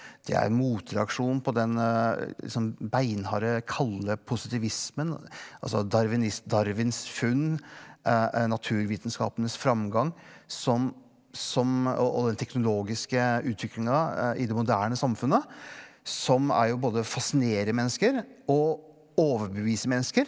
det er en motreaksjon på den liksom beinharde kalde positivismen altså Darwins funn naturvitenskapenes framgang som som og og den teknologiske utviklinga i det moderne samfunnet som er jo både fasinerer mennesker og overbeviser mennesker.